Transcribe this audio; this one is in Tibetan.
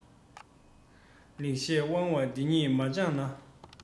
ལེགས བཤད བང བ འདི གཉིས མ སྦྱངས ན